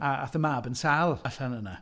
A aeth y mab yn sâl allan yna.